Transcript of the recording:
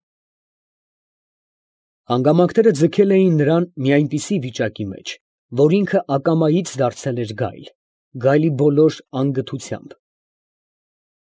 Հանգամանքները ձգել էին նրան մի այնպիսի վիճակի մեջ, որ ինքն ակամայից դարձել էր գայլ, գայլի բոլոր անգթությամբ։